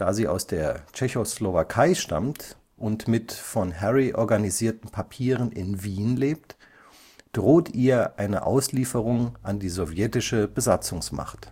sie aus der Tschechoslowakei stammt und mit von Harry organisierten Papieren in Wien lebt, droht ihr eine Auslieferung an die sowjetische Besatzungsmacht